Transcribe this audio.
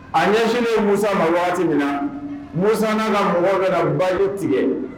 A ɲɛsnen ye musa ma waati min na musan ka mɔgɔ bɛ bay tigɛ